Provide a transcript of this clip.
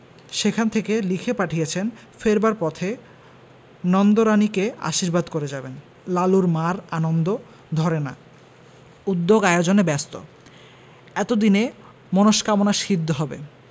সেখান থেকে লিখে পাঠিয়েছেন ফেরবার পথে নন্দরানীকে আশীর্বাদ করে যাবেন লালুর মা'র আনন্দ ধরে না উদ্যোগ আয়োজনে ব্যস্ত এতদিনে মনস্কামনা সিদ্ধ হবে